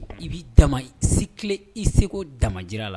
I b'i tama i sikle i seko damajira la